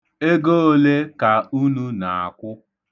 Ego ole ka unu na-akwụ?